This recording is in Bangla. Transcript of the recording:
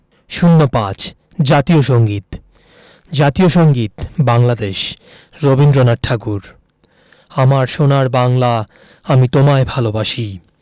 ০৫ জাতীয় সংগীত জাতীয় সংগীত বাংলাদেশ রবীন্দ্রনাথ ঠাকুর আমার সোনার বাংলা আমি তোমায় ভালোবাসি